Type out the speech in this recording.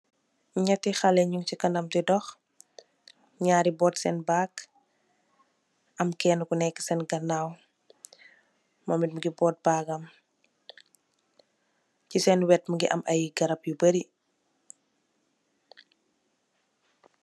Nyate haleh nugse kanam de doh nyari bott sen bagg am kene ku neka sen ganaw momet muge bott bagam se sen wett muge am aye garab yu bary.